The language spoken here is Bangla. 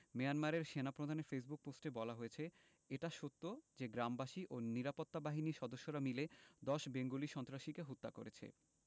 মিয়ানমারের সেনাপ্রধানের ফেসবুক পোস্টে বলা হয়েছে এটা সত্য যে গ্রামবাসী ও নিরাপত্তা বাহিনীর সদস্যরা মিলে ১০ বেঙ্গলি সন্ত্রাসীকে হত্যা করেছে